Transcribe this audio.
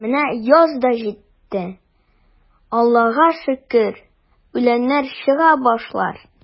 Менә яз да житте, Аллага шөкер, үләннәр чыга башлар.